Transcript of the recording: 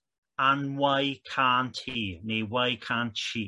and why can't he neu why can't she*.